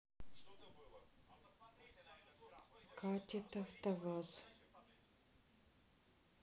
катит автоваз